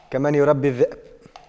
كمن يربي الذئب